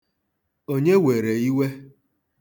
Onye were iwe?